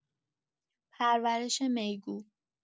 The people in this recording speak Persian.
پرورش میگو